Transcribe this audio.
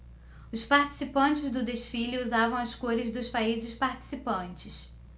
os participantes do desfile usavam as cores dos países participantes